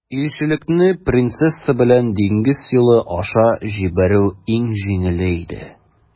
Илчелекне принцесса белән диңгез юлы аша җибәрү иң җиңеле иде.